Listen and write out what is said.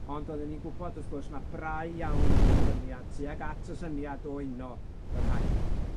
Ond oedden ni'n gwbod, wrth gwrs, ma' brau iawn o'dd yr ymlyniad tuag at y syniad o uno y rhain.